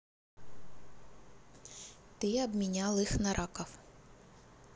ты обменял их на раков